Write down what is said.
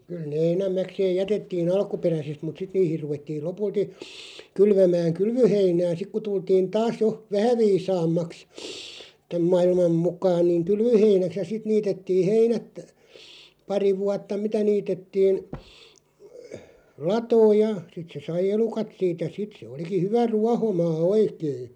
kyllä ne enimmäkseen jätettiin alkuperäisesti mutta sitten niihin ruvettiin lopulta kylvämään kylvöheinää sitten kun tultiin taas jo vähän viisaammaksi tämän maailman mukaan niin kylvöheinäksi ja sitten niitettiin heinät pari vuotta mitä niitettiin latoon ja sitten se sai elukat siitä ja sitten se olikin hyvä ruohomaa oikein